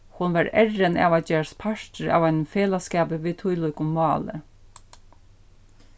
hon var errin av at gerast partur av einum felagsskapi við tílíkum máli